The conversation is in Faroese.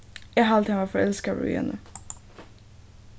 eg haldi at hann var forelskaður í henni